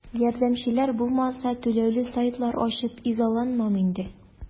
Ярдәмчеләр булмаса, түләүле сайтлар ачып изаланмам инде.